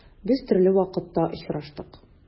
Без төрле вакытта очраштык.